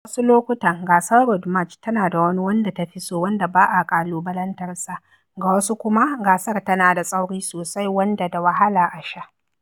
A wasu lokutan gasar Road March tana da wani wanda ta fi so wanda ba a ƙalubalantarsa; ga wasu kuma, gasar tana da tsauri sosai wanda da wahala a sha.